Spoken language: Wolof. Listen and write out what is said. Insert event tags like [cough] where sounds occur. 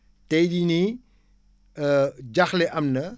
tey jii nii [hesitation] jaaxle am na